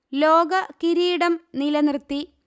ലോക കിരീടം നിലനിർത്തി